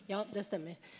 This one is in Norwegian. ja det stemmer.